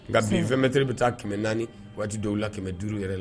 Nka bin fɛnmɛtre bɛ taa kɛmɛ naani waati dɔw la kɛmɛ duuru yɛrɛ la